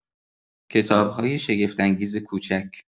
کتاب‌های شگفت‌انگیز کوچک